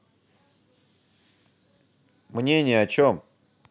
мнение о чем